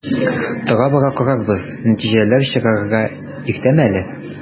Тора-бара карарбыз, нәтиҗәләр чыгарырга иртәме әле?